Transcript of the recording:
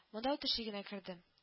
Монда үтешли генә кердем